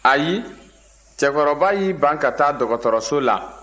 ayi cɛkɔrɔba y'i ban ka taa dɔgɔtɔrɔso la